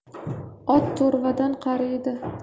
ot to'rvadan qariydi